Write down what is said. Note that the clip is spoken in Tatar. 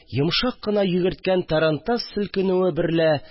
Йомшак кына йөгерткән тарантас селкенүе берлә